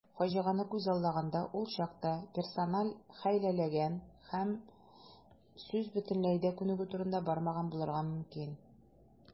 Фаҗигане күзаллаганда, ул чакта персонал хәйләләгән һәм сүз бөтенләй дә күнегү турында бармаган булырга мөмкин.